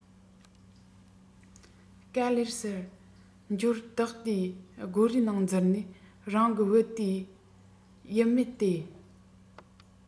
ག ལེར སར འབྱོར བདག དེའི སྒོ རའི ནང འཛུལ ནས རང གི བེའུ དེ ཡིད མེད བལྟས